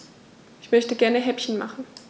Ich möchte gerne Häppchen machen.